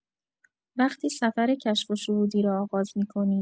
وقتی سفر کشف‌وشهودی را آغاز می‌کنید